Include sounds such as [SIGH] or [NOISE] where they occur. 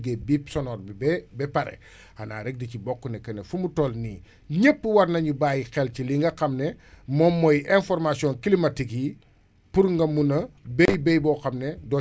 xanaa rek di ci bokk ne que fu mu toll nii [BREATH] ñëpp war nañu bàyyi xel ci li nga xam ne [BREATH] moom mooy information climatique yi pour nga mun a béy béy boo xam ne doo ci am pertement [BREATH]